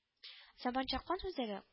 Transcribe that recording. Заманча кан үзәге